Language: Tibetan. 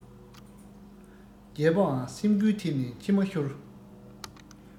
རྒྱལ པོའང སེམས འགུལ ཐེབས ནས མཆི མ ཤོར